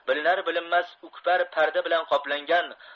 bilinar bilinmas ukpar parda bilan qoplangan